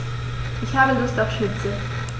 Ich habe Lust auf Schnitzel.